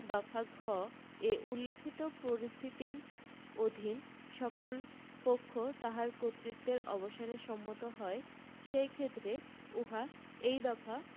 দফা ঘ এ উল্লেখিত পরিস্থিতির অধীন সকল পক্ষ তাহার কর্তৃত্বের অবসানে সম্মত হয় সেইক্ষেত্রে উহা এই দফা